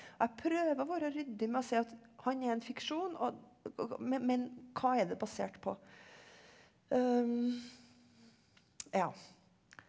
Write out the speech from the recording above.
jeg prøver å være ryddig med å si at han er en fiksjon og med men hva er det basert på ja.